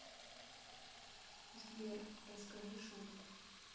сбер расскажи шутку